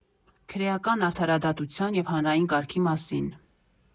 Քրեական արդարադատության և Հանրային կարգի մասին։